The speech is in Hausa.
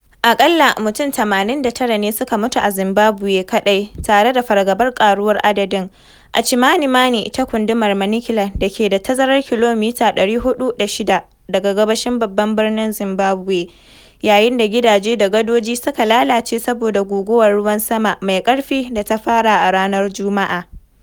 Aƙalla mutum 89 ne suka mutu a Zimbabwe kaɗai, tare da fargabar ƙaruwar adadin, a Chimanimani ta gundumar Manicaland, da ke da tazarar kilomita 406 daga gabashin babban birnin Zimbabwe. Yayin da gidaje da gadoji suka lalace saboda guguwar ruwan sama mai ƙarfi da ta fara a ranar Juma’a.